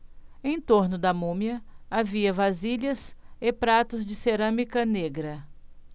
em torno da múmia havia vasilhas e pratos de cerâmica negra